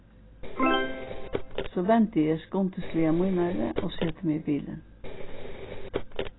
so eg vendi skundisliga mínari og seti meg í bilin